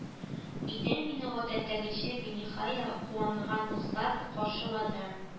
Өйдә мине гадәттәгечә биниһая куанган музгарка каршылады